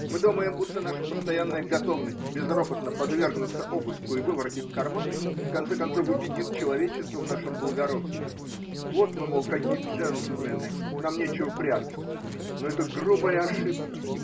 Мы думаем, будто наша постоянная готовность безропотно подвергнуться обыску и выворотить карманы, в конце концов убедит человечество в нашем благородстве: вот мы, мол, какие джентльмены – нам нечего прятать! Но это грубая ошибка.